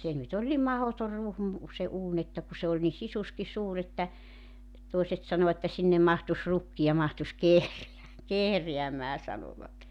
se nyt oli niin mahdoton ruhmu se uuni että kun se oli niin sisuskin suuri että toiset sanoi että sinne mahtuisi rukki ja mahtuisi - kehräämään sanoivat